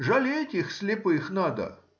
жалеть их, слепых, надо.